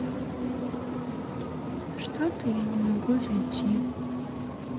что то я не могу зайти